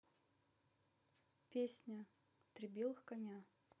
песня три белых коня